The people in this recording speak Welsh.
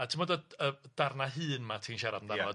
A ti'mod y y darna hŷn ma' ti'n siarad amdano fo? Ia.